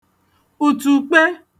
ùtùkpe